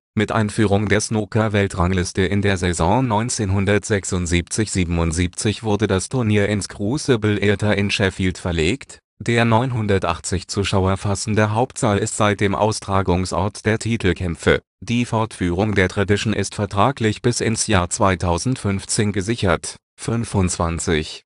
Mit Einführung der Snookerweltrangliste in der Saison 1976 / 77 wurde das Turnier ins Crucible Theatre in Sheffield verlegt. Der 980 Zuschauer fassende Hauptsaal ist seitdem Austragungsort der Titelkämpfe. Die Fortführung der Tradition ist vertraglich bis ins Jahr 2015 gesichert. Der